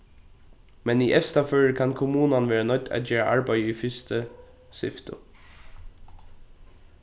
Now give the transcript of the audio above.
men í evsta føri kann kommunan verða noydd at gera arbeiðið í fyrstu syftu